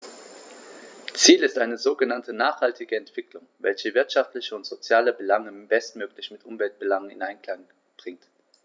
Ziel ist eine sogenannte nachhaltige Entwicklung, welche wirtschaftliche und soziale Belange bestmöglich mit Umweltbelangen in Einklang bringt.